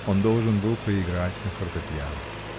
Он должен был поиграть на фортепиано.